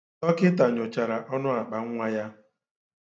Dọkịta nyochara ọnụakpannwa ya.